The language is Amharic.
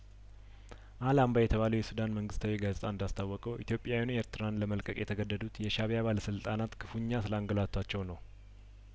አል አምባ የተባለው የሱዳን መንግስታዊ ጋዜጣ እንዳስታወቀው ኢትዮጵያውያኑ ኤርትራን ለመልቀቅ የተገደዱት የሻእቢያባለስልጣናት ክፉኛ ስላንገላቱዋቸው ነው